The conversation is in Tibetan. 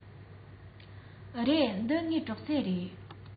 རེད འདི ངའི སྒྲོག ཙེ རེད